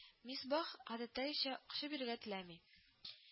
Мисбах, гадәттәгечә, акча бирергә теләми